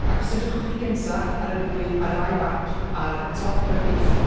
Ac os edrychwch chi gynta ar y ddwy... ar y ddau fap ar y top, ar y chwith.